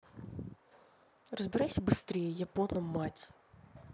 разбирайся быстрее япона мать